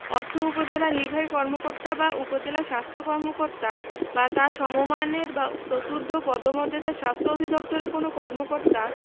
অর্থ উপজেলা নির্বাহী কর্মকর্তা বা উপজেলা স্বাস্থ্য কর্মকর্তা বা তাঁহার সমমানের বা তদূর্ধ্ব পদমর্যাদার স্বাস্থ্য অধিদপ্তরের কোন কর্মকর্তা